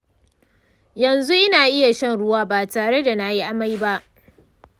yanzu ina iya shan ruwa ba tare da na yi amai ba.